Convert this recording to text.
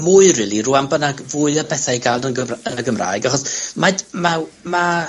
mwy rili rŵan bo' 'na g- fwy o bethau i ga'l dan gyfrw- yn y Gymraeg achos, ma' d- ma', ma'...